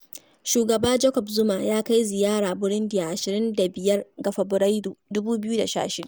Shugaba Jacob Zuma ya kai ziyara Burundi a 25 ga Fabarairu, 2016.